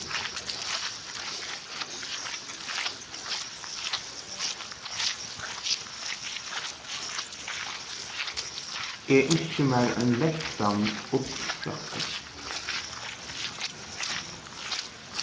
eg ynski mær ein lekkran ullfrakka